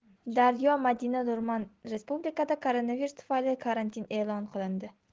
daryo madina nurmanrespublikada koronavirus tufayli karantin e'lon qilindi